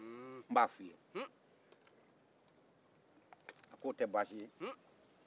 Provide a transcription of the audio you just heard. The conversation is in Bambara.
a k'o tɛ baasi ye